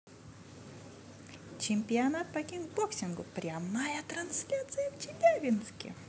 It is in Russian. чемпионат по кикбоксингу прямая трансляция в челябинске